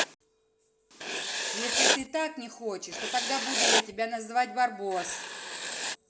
если ты так не хочешь то когда буду я тебя называть барбос